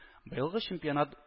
Быелгы чемпионат